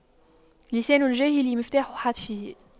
لسان الجاهل مفتاح حتفه